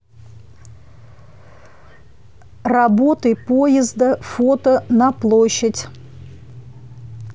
роботы поезда фото на площадь